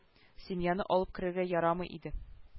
Семьяны алып керергә ярамый иде